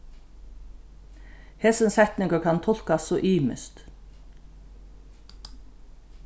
hesin setningur kann tulkast so ymiskt